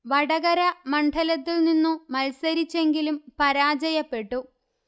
വടകര മണ്ഡലത്തിൽ നിന്നു മത്സരിച്ചെങ്കിലും പരാജയപ്പെട്ടു